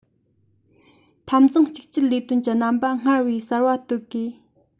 ༄༅ འཐབ ཕྱོགས གཅིག གྱུར ལས དོན གྱི རྣམ པ སྔར བས གསར པ གཏོད དགོས